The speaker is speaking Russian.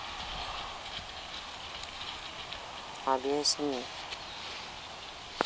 объясни